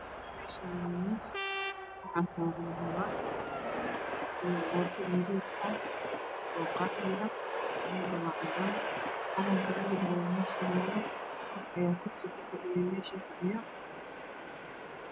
Meshan waa mis waxa saran buugag io borso yaris ah oo qahwi ah buga waa cadan calanka buluga aya mesh yalo qof ayaa kursi kufadhiyo